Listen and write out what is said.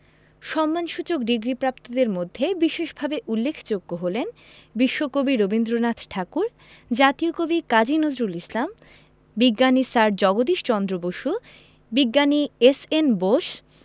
সম্মানসূচক ডিগ্রিপ্রাপ্তদের মধ্যে বিশেষভাবে উল্লেখযোগ্য হলেন বিশ্বকবি রবীন্দ্রনাথ ঠাকুর জাতীয় কবি কাজী নজরুল ইসলাম বিজ্ঞানী স্যার জগদীশ চন্দ্র বসু বিজ্ঞানী এস.এন বোস